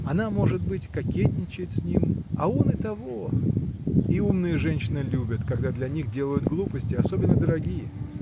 Она, может быть, кокетничает с ним, а он и того. И умные женщины любят когда для них делают глупости особенно дорогие.